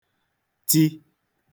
ti